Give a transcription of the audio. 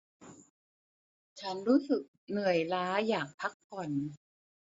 ฉันรู้สึกเหนื่อยล้าอยากพักผ่อน